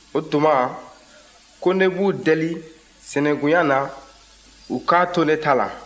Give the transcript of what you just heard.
o tuma ko ne b'u deli senenkunya na u k'a to ne ta la